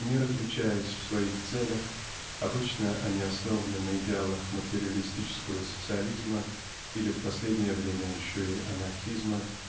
не различаясь в своих целях (обычно они основаны на идеалах материалистического социализма или в последнее время еще и анархизма)